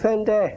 fɛn tɛ